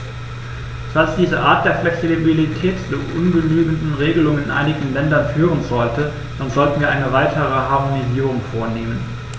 Falls diese Art der Flexibilität zu ungenügenden Regelungen in einigen Ländern führen sollte, dann sollten wir eine weitere Harmonisierung vornehmen.